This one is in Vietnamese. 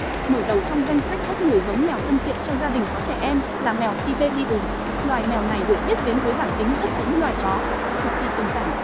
mở đầu trong danh sách top giống mèo thân thiện cho gia đình có trẻ em là mèo siberian loài mèo này được biết đến với bản tính rất giống loài chó cực kỳ tình cảm